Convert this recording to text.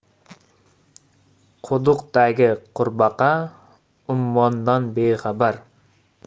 quduqdagi qurbaqa ummondan bexabar